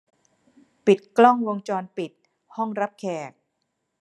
ปิดกล้องวงจรปิดห้องรับแขก